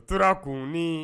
Tora kun ni